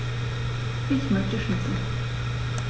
Ich möchte Schnitzel.